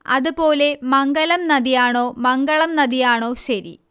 അതുപോലെ മംഗലം നദി ആണോ മംഗളം നദി ആണോ ശരി